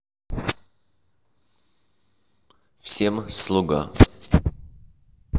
всем слуга